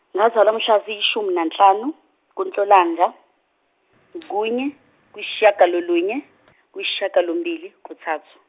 ngazalwa mhla ziyishumi nanhlanu kuNhlolanja kunye kuyisishiyagalolunye kuyisishiyagalombili kuthathu.